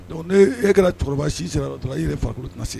Dɔnkuc e kɛra cɛkɔrɔba si sera la tora i yɛrɛ farikolokuru tɛna se